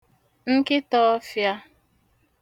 nkịtā ọ̄fịā